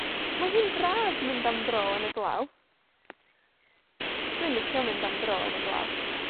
Mae hi'n braf mynd am dro yn y glaw. Dwi'n licio mynd am dro yn glaw.